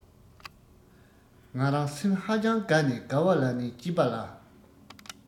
ང རང སེམས ཧ ཅང དགའ ནས དགའ བ ལ ནི སྐྱིད པ ལ